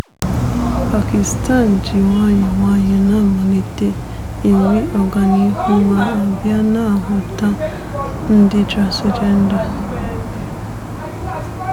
Pakistan ji nwayọọ nwayọọ na-amalite enwe ọganihu ma a bịa na nhụta ndị transịjenda.